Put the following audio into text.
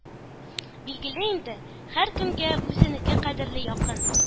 Билгеле инде, һәркемгә үзенеке кадерле, якын.